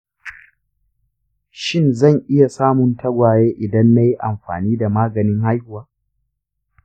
shin zan iya samun tagwaye idan na yi amfani da maganin haihuwa?